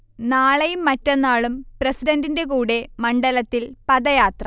നാളെയും മറ്റന്നാളും പ്രസിഡന്റിന്റെ കൂടെ മണ്ഡലത്തിൽ പദയാത്ര